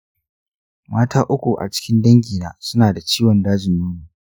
mata uku a cikin dangina su na da ciwon dajin nono